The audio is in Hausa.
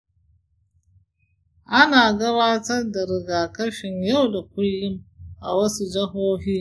ana gabatar da rigakafin yau da kullum a wasu jihohi.